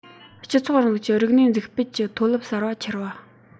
སྤྱི ཚོགས རིང ལུགས ཀྱི རིག གནས འཛུགས སྤེལ གྱི མཐོ རླབས གསར པ འཕྱུར བ